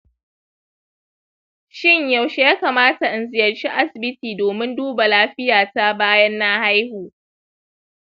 shin yaushe ya kamata in ziyarci asibiti domin duba lafiya ta bayan na haihu